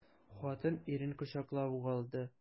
Хатын ирен кочаклап ук алды.